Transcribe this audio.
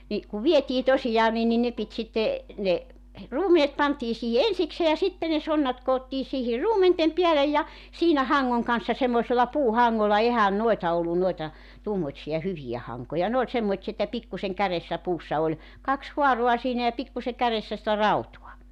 niin kun vietiin tosiaan niin niin ne piti sitten ne ruumenet pantiin siihen ensikseen ja sitten ne sonnat koottiin siihen ruumenten päälle ja siinä hangon kanssa semmoisella puuhangolla eihän noita ollut noita tuommoisia hyviä hankoja ne oli semmoisia että pikkuisen kärjessä puussa oli kaksi haaraa siinä ja pikkuisen kärjessä sitä rautaa